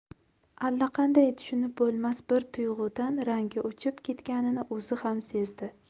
allaqanday tushunib bo'lmas bir tuyg'udan rangi o'chib ketganini o'zi ham sezdi